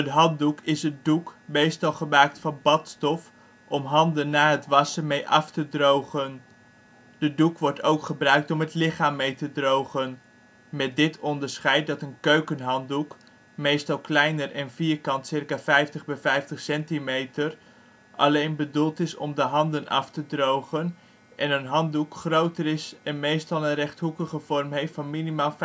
handdoek is een doek (meestal gemaakt van badstof) om de handen na het wassen mee af te drogen. De doek wordt ook gebruikt om het lichaam mee te drogen. Met dit onderscheid dat een keukenhanddoek, meestal kleiner en vierkant (circa 50 x 50 cm), alleen bedoeld is om de handen af te drogen en een (bad) handdoek groter is en meestal een rechthoekige vorm heeft van minimaal